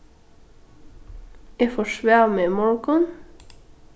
eg forsvav meg í morgun